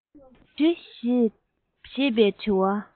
ཞེས པའི འདྲི བ